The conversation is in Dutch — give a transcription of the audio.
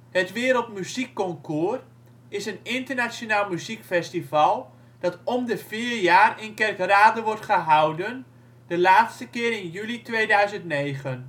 Het Wereldmuziekconcours is een internationaal muziekfestival dat om de vier jaar in Kerkrade wordt gehouden, de laatste keer in juli 2009